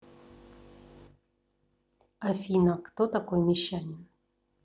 афина кто такой мещанин